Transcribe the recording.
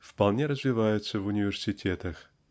вполне развиваются в университетах.